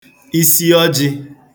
isiọjị̄